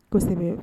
Kosɛbɛ